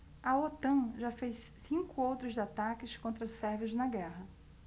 a otan já fez cinco outros ataques contra sérvios na guerra